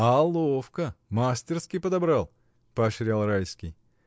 — А ловко, мастерски подобрал! — поощрял Райский.